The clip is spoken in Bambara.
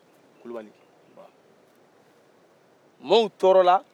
kulubali maaw tɔɔrɔra